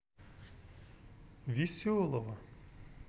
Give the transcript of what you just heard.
веселого